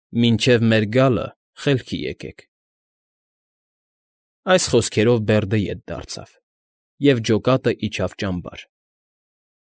Մինչև մեր գալը խելքի եկեք… Այս խոսքերով Բերդը ետ դարձավ, և ջոկատն իջավ ճամբար։